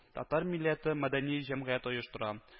Татар милләте-мәдәни җәмгыяте оештыра